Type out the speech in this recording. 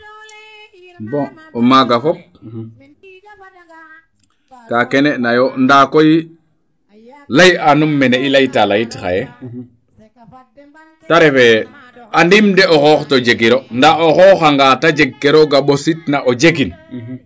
bon o maaga fop kaa kene nayo ka koy ley aanum mene i leytaa leyit xaye te refee andiim de o xoox to jegiro ndaa o xooxanga te jeg ke rooga mbosit na ao jegin